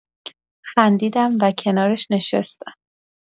خندیدم و کنارش نشستم.